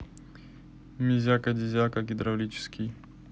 мизяка дизяка гидравлический